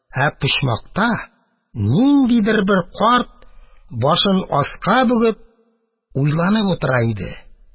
Ә почмакта ниндидер бер карт, башын аска бөгеп, уйланып утыра иде.